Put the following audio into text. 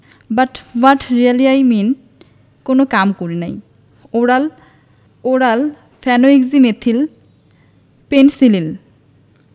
but what really I mean কোন কাম করে নাই ওরাল ওরাল ফেনোক্সিমেথিল পেনসিলিন